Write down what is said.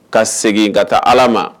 Ka segin ka taa ala ma